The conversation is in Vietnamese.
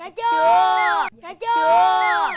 dạ chưa dạ chưa